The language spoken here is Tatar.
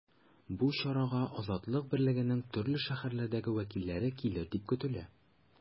Бу чарага “Азатлык” берлегенең төрле шәһәрдәге вәкилләре килер дип көтелә.